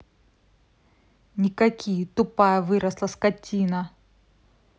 никакие тупая выросла скотина